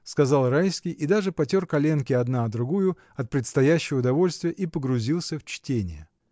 — сказал Райский, и даже потер коленки одна о другую от предстоящего удовольствия, и погрузился в чтение.